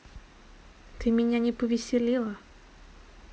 ты меня не повеселила